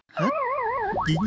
hớ